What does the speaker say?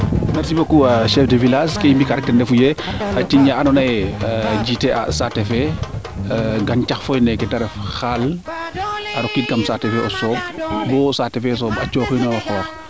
merci beaucoup chef du village ke i mbi ka rek ten refu yee cung ye ando naye jiite a saat fe gancax pod neeke te ref xaal a rokiid kam saate fe o sooɓ bo saate fe o sooɓ a cooxinoyo xoox